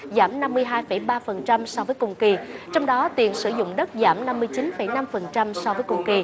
giảm năm mươi hai phẩy ba phần trăm so với cùng kỳ trong đó tiền sử dụng đất giảm năm mươi chín phẩy năm phần trăm so với cùng kỳ